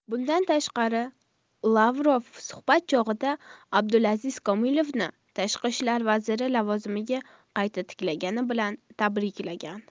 bundan tashqari lavrov suhbat chog'ida abdulaziz komilovni tashqi ishlar vaziri lavozimiga qayta tayinlangani bilan tabriklagan